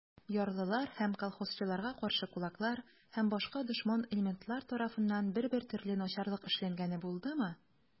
Ярлылар һәм колхозчыларга каршы кулаклар һәм башка дошман элементлар тарафыннан бер-бер төрле начарлык эшләнгәне булдымы?